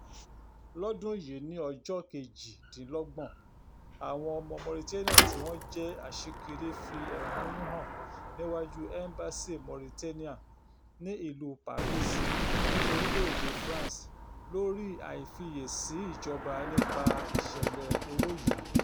Lọ́dún yìí ni ọjọ́ kejìdínlọ́gbọ̀n, àwọn ọmọ Mauritania tí wọ́n jẹ́ aṣíkiri fi ẹ̀hónú hàn níwájú Ẹ́mbásì Mauritania ní ìlú Paris, ní orílẹ̀-èdè France, lórí àìfiyèsí ìjọba nípa ìṣẹ̀lẹ̀ oró yìí.